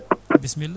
bisimilla